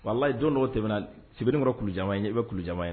Walayi jɔn dɔw tɛmɛna tikɔrɔ kuluja ye i bɛ kulujan ye